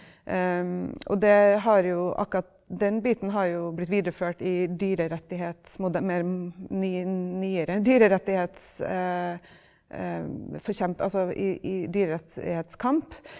og det har jo akkurat den biten har jo blitt videreført i mere nyere altså i i dyrerettighetskamp.